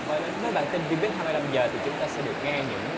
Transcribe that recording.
và đến với bản tin vi bít hai mươi lăm giờ thì chúng ta sẽ được nghe những